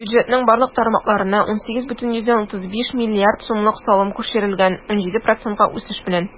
Бюджетның барлык тармакларына 18,35 млрд сумлык салым күчерелгән - 17 процентка үсеш белән.